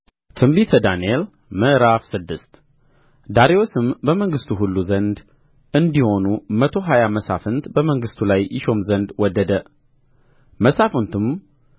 ትንቢተ ዳንኤል ምዕራፍ ስድስት ዳርዮስም በመንግሥቱ ሁሉ ዘንድ እንዲሆኑ መቶ ሀያ መሳፍንት በመንግሥቱ ላይ ይሾም ዘንድ ወደደ መሳፍንቱም